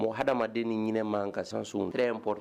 Mɔgɔ hadamaden ni ɲinin ma ka sansre inp